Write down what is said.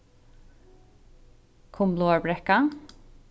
kumláarbrekka